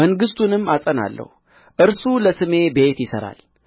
መንግሥቱንም አጸናለሁ እርሱ ለስሜ ቤት ይሠራል